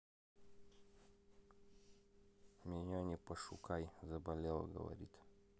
меня не пошукай заболела говорить